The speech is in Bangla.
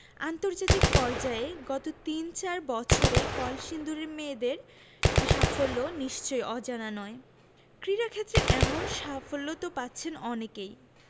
আন্তর্জাতিক পর্যায়ে গত তিন চার বছরে কলসিন্দুরের মেয়েদের সাফল্য নিশ্চয়ই অজানা নয় ক্রীড়াক্ষেত্রে এমন সাফল্য তো পাচ্ছেন অনেকেই